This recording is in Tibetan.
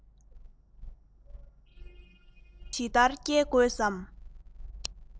མཇུག ཇི ལྟར བསྐྱལ དགོས སམ